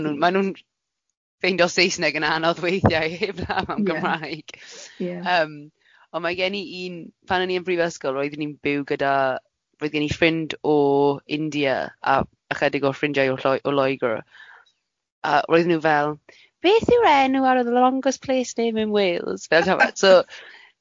Mae'n nhw'n ffeindio Saesneg yn anodd weithiau heblaw am Gymraeg... Ie. ...yym ond mae gen i un pan o'n i yn brifysgol roeddwn i'n byw gyda, roedd gen i ffrind o India a ychydig o ffrindiau o Lloe- o Loegr a roedden nhw fel, beth yw'r enw ar y longest place name in Wales, fel ta- so.